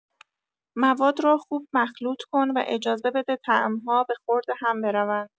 مواد را خوب مخلوط‌کن و اجازه بده طعم‌ها به خورد هم بروند.